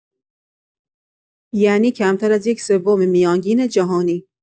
یعنی کمتر از یک‌سوم میانگین جهانی